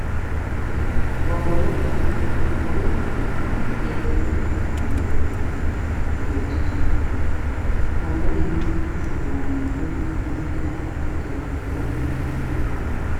Boombalo ugu jiro katiinad iyo faraanti dhegadhego iyo jijin boombalaha midabkiisa waa madow jijinta iyo kateenada midabkoodu waa beer